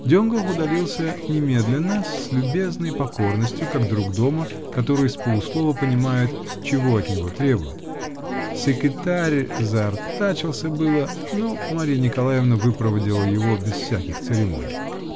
Донгоф удалился немедленно, с любезной покорностью, как друг дома, который с полуслова понимает, чего от него требуют: секретарь заартачился было, но Дарья Николаевна выпроводила его без всяких церемоний.